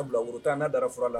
'a bila u woro tan n'a darara la